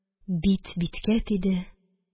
Бит биткә тиде,